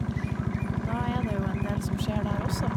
Og da er det jo en del som skjer der også.